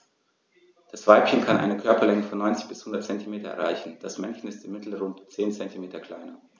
Das Weibchen kann eine Körperlänge von 90-100 cm erreichen; das Männchen ist im Mittel rund 10 cm kleiner.